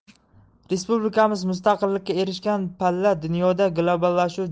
respublikamiz mustaqillikka erishgan palla dunyoda globallashuv